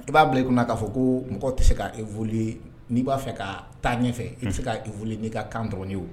I b'a bila i kɔnɔ na k'a fɔ ko mɔgɔ tɛ se k' e wuli n'i b'a fɛ ka taa ɲɛfɛ i tɛ se k' e wuli n'i ka kan dɔgɔnin ye